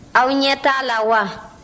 aw ɲɛ t'a la wa